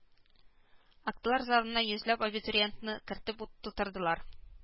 Актлар залына йөзләп абитуриентны кертеп тутырдылар